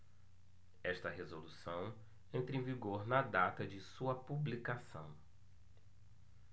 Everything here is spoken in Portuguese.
esta resolução entra em vigor na data de sua publicação